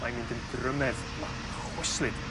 mae'n mynd yn drymedd yma yn chwyslyd